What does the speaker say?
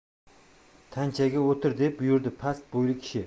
tanchaga o'tir deb buyurdi past bo'yli kishi